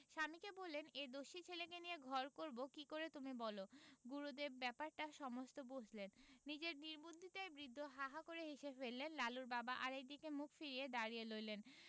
স্বামীকে বললেন এ দস্যি ছেলেকে নিয়ে ঘর করব কি করে তুমি বল গুরুদেব ব্যাপারটা সমস্ত বুঝলেন নিজের নির্বুদ্ধিতায় বৃদ্ধ হাঃ হাঃ করে হেসে ফেললেন লালুর বাবা আর একদিকে মুখ ফিরিয়ে দাঁড়িয়ে রইলেন